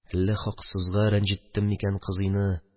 Әллә хаксызга рәнҗеттемме икән кызыйны?